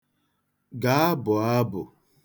Gaa, bụọ abụ.